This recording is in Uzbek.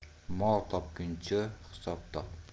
mol topguncha hisob top